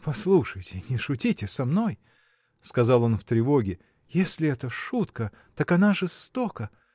— Послушайте, не шутите со мной, — сказал он в тревоге, — если это шутка, так она жестока.